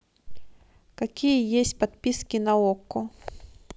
какие есть подписки на окко